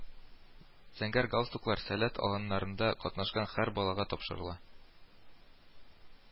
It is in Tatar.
Зәңгәр галстуклар Сәләт аланнарында катнашкан һәр балага тапшырыла